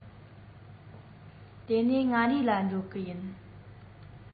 དེ ནས མངའ རིས ལ འགྲོ གི ཡིན